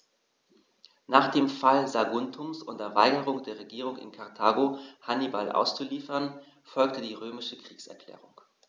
Nach dem Fall Saguntums und der Weigerung der Regierung in Karthago, Hannibal auszuliefern, folgte die römische Kriegserklärung.